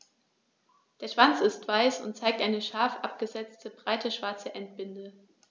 Der Schwanz ist weiß und zeigt eine scharf abgesetzte, breite schwarze Endbinde.